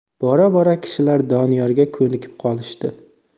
bora bora kishilar doniyorga ko'nikib qolishdi